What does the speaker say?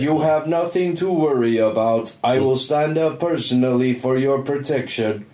You have nothing to worry about I will stand up personally for your protection.